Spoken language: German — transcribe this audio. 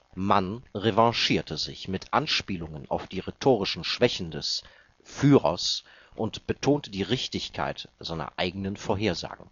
Mann revanchierte sich mit Anspielungen auf die rhetorischen Schwächen des „ Führers “und betonte die Richtigkeit seiner eigenen Vorhersagen